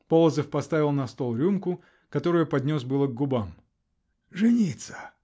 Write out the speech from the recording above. Полозов поставил на стол рюмку, которую поднес было к губам. -- Жениться!